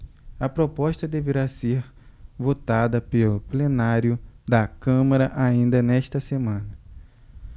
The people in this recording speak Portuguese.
a proposta deverá ser votada pelo plenário da câmara ainda nesta semana